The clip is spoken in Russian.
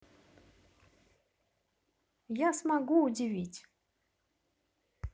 я смогу удивить